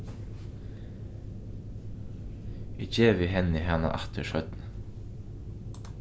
eg gevi henni hana aftur seinni